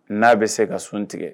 N'a bɛ se ka sun tigɛ